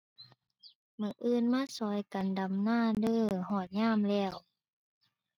มื้ออื่นมาช่วยกันดำนาเด้อ ฮอดยามแล้ว